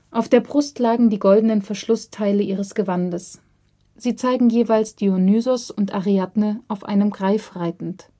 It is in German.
Auf der Brust lagen die goldenen Verschlussteile ihres Gewandes. Sie zeigen jeweils Dionysos und Ariadne auf einen Greif reitend